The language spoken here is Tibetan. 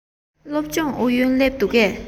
སློབ སྦྱོང ཨུ ཡོན སླེབས འདུག གས